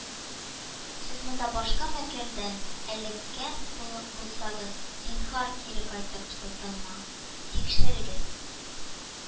Сез монда башка мәкаләдән эләккән булсагыз, зинһар, кире кайтып сылтама тикшерегез